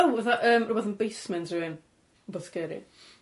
Ww fatha yym rwbath yn basement rhywun, rwbath scary.